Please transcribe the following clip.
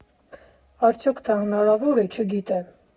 Արդյոք դա հնարավոր է, չգիտեմ…